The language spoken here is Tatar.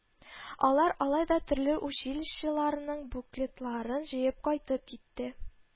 Алар алай да төрле училищеларның буклетларын җыеп кайтып китте